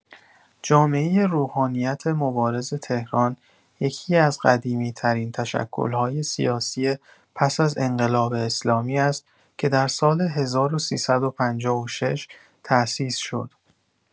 جامعه روحانیت مبارز تهران یکی‌از قدیمی‌ترین تشکل‌های سیاسی پس از انقلاب اسلامی است که در سال ۱۳۵۶ تأسیس شد.